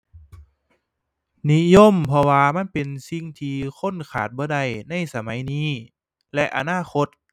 นิยม เพราะว่ามันเป็นสิ่งที่คนขาดบ่ได้ในสมัยนี้ และอนาคต